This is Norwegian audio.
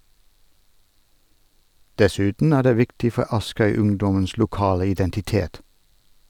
Dessuten er det viktig for Askøy-ungdommens lokale identitet.